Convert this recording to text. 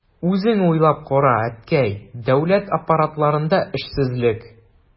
Үзең уйлап кара, әткәй, дәүләт аппаратларында эшсезлек...